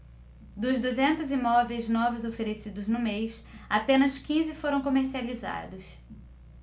dos duzentos imóveis novos oferecidos no mês apenas quinze foram comercializados